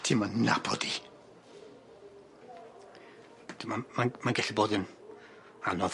Ti'm yn nabod 'i. Ma'n mae'n mae'n gellu bod yn anodd.